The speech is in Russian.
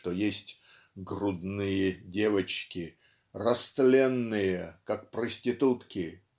что "есть грудные девочки растленные как проститутки".